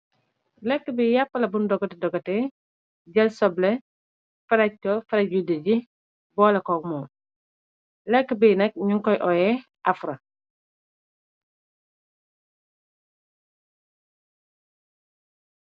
Lekk bi yàppla bunge dogate dogate te, jël soble ferej ferej yu diji, boole kok mom. lekk bi nak ñu koy oye afra.